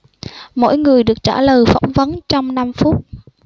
mỗi người được trả lời phỏng vấn trong năm phút